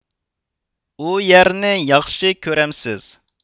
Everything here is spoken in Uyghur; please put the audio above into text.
ئۇ يەرنى ياخشى كۆرەمسىز